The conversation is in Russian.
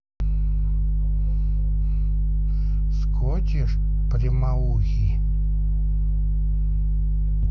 скотиш прямоухий